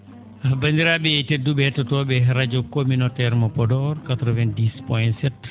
Bandiraa?e teddu?e he?too?e radio communautaire mo Podor 90 POINT 7